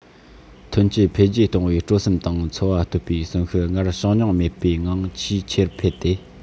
ཐོན སྐྱེད འཕེལ རྒྱས གཏོང བའི སྤྲོ སེམས དང འཚོ བ གཏོད པའི གསོན ཤུགས སྔར བྱུང མྱོང མེད པའི ངང ཆེས ཆེར འཕེལ ཏེ